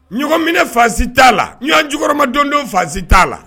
Ɲɔgɔn minɛ faasi t'a la ɲɔgɔnɔn jkɔrɔ madenwdenw faasi t'a la